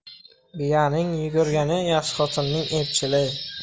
biyaning yugurigi yaxshi xotinning epchili